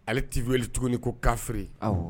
Ale ti weleli tuguni ko kaffiri